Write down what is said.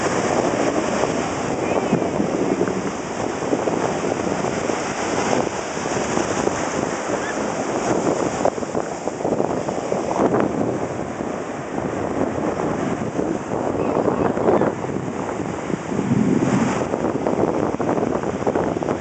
Meeshaan waxaa joogo laba arday waxay qabaan sheeko haddaan xabii qorayaan qalinkuu heystana waa buluug